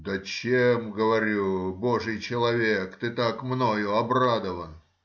— Да чем,— говорю,— божий человек, ты так мною обрадован?